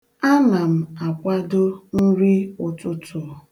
Ana m akwado nriụtụtụ.